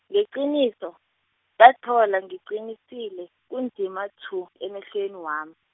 ngeqiniso, sathola ngiqinisile, kunzima tshu emehlweni wami.